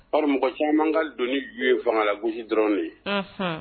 Caman manka don ni du ye fangala gosisi dɔrɔn de ye